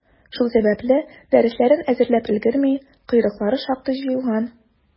Шул сәбәпле, дәресләрен әзерләп өлгерми, «койрыклары» шактый җыелган.